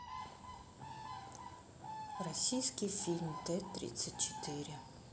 российский фильм т тридцать четыре